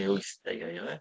Neu wythdegau yw e?